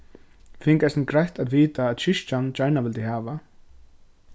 fingu eisini greitt at vita at kirkjan gjarna vildi hava